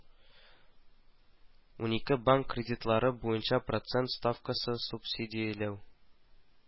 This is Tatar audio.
Унике банк кредитлары буенча процент ставкасын субсидияләү